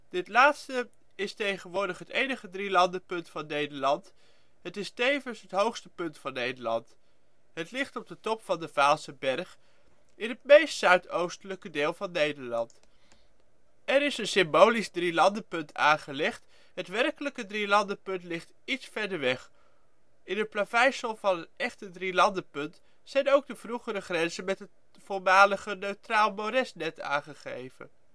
Dit laatste is tegenwoordig het enige drielandenpunt van Nederland. Het is tevens het hoogste punt van Nederland. Het ligt op de top van de Vaalserberg, in het meest zuidoostelijke deel van Nederland. Er is een symbolisch Drielandenpunt aangelegd. Het werkelijke Drielandenpunt ligt iets verder weg. In het plaveisel van het echte drielandenpunt zijn ook de vroegere grenzen met het voormalige Neutraal Moresnet aangegeven